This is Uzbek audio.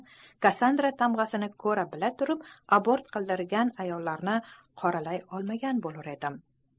kassandra tamg'asini ko'ra bila turib abort qildirgan ayollarni qoralay olmagan bo'lur edim